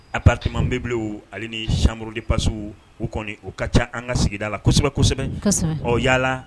A pakima bele ani ni samuru de pas u kɔni u ka ca an ka sigida la kosɛbɛ kosɛbɛ o yalala